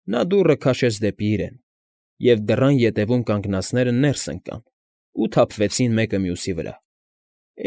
Նա դուռը քաշեց դեպի իրեն, և դռան ետևում կանգնածները ներս ընկան ու թափվեցին մեկը մյուսի վրա։